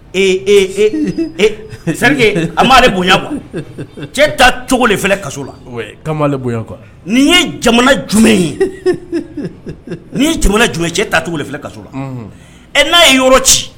Ee, e, ça adire que a ma ale bonya quoi cɛ ta cogo de filɛ kaso la, waui , k'a ma ale quoi nin ye jamana jumɛn ye? n jamana jumɛn ye,! cɛ ta cogoli filɛ kasola ɛ n'a ye yɔrɔ ci!